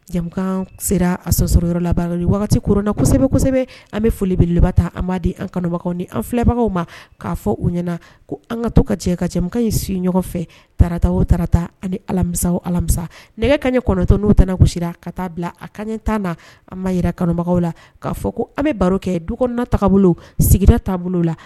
Sera a sɔsɔrɔyɔrɔ la wagati ko na kosɛbɛsɛbɛ an bɛ foli bɛ laban ta an b' di an kɔnɔbaga ni an filɛbagaw ma k'a fɔ u ɲɛnaana ko an ka to ka cɛ ka cɛman in sigi ɲɔgɔn fɛ taarata o tata an alamisa alamisa nɛgɛ ka ɲɛ kɔnɔntɔn n'o tɛnasira ka taa bila a ka ɲɛ ta na an ma yɛrɛ kanubagaw la kaa fɔ ko an bɛ baro kɛ du kɔnɔ taabolo bolo taabolo la